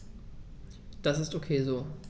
Das ist ok so.